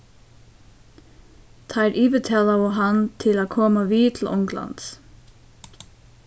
teir yvirtalaðu hann til at koma við til onglands